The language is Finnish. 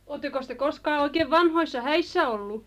olettekos te koskaan oikein vanhoissa häissä ollut